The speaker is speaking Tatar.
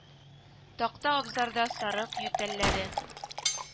Такта абзарда сарык ютәлләде